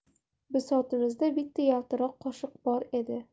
bisotimizda bitta yaltiroq qoshiq bor edi